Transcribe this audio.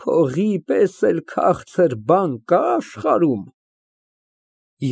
Փողի պես էլ քաղցր բան կա՞ աշխարհում։